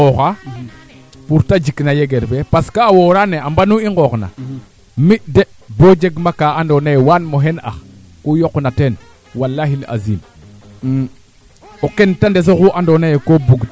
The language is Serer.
no waluu kee ando naye ten refu le choix de la varieté en tenant de prevision de l' ANACIM manaam a cila le ax ke wala ax ke ando naye den teolooxu